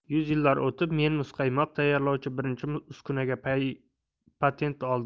yuz yillar o'tib nensi muzqaymoq tayyorlovchi birinchi uskunasiga patent olgan